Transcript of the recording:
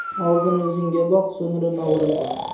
oldin o'zingga boq so'ngra nog'ora qoq